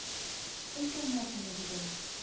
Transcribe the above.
Өлкәннәр көне бүген.